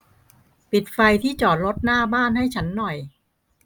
ปิดไฟที่จอดรถหน้าบ้านให้ฉันหน่อย